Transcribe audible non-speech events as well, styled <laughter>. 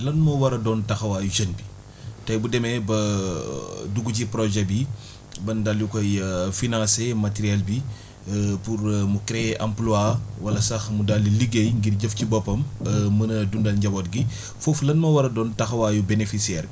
lan moo war a doon taxawaayu jeune bi tey bu demee ba <hesitation> dugg ci projet bi bañ daal di koy <hesitation> financer matériel bi <breath> <hesitation> pour mu créer empoie wala sax mu daal di liggéey ngir jëf ci boppam <hesitation> mën a dundal njaboot gi foofu lan moo war a doon taxawaayu bénéficiaire bi